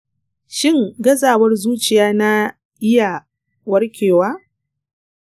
shin, gazawar zuciya na iya warkewa?